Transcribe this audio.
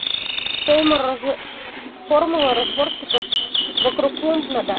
формула заборчиков вокруг клумб на даче